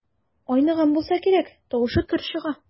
Айныган булса кирәк, тавышы көр чыга.